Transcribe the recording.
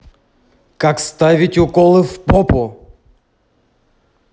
как ставят уколы в попу